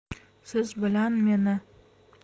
siz bilan meni